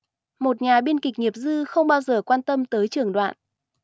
một nhà biên kịch nghiệp dư không bao giờ quan tâm tới trường đoạn